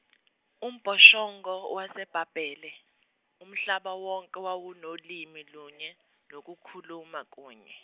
umbhoshongo waseBhabhele, Umhlaba wonke wawunolimi lunye nokukhuluma kunye.